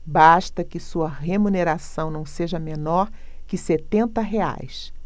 basta que sua remuneração não seja menor que setenta reais